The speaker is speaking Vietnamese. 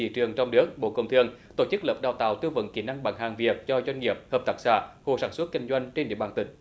thị trường trong nước bộ công thương tổ chức lớp đào tạo tư vấn kỹ năng bán hàng việt cho doanh nghiệp hợp tác xã hộ sản xuất kinh doanh trên địa bàn tỉnh